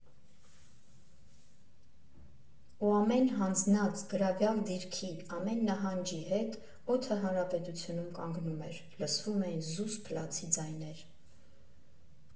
Ու ամեն հանձնած, գրավյալ դիրքի, ամեն նահանջի հետ օդը հանրապետությունում կանգնում էր, լսվում էին զուսպ լացի ձայներ։